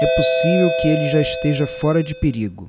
é possível que ele já esteja fora de perigo